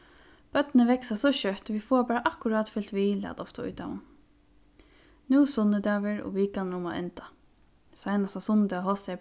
børnini vaksa so skjótt vit fáa bara akkurát fylgt við læt ofta í teimum nú er sunnudagur og vikan er um at enda seinasta sunnudag hostaði